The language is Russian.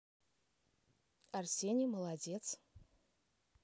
арсений молодец